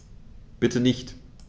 Bitte nicht.